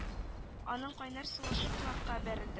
Аның кайнар сулышы колакка бәрелде